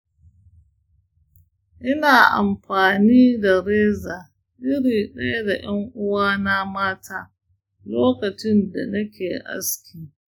ina amfani da reza iri ɗaya da ƴan uwana mata lokacin da nake aski.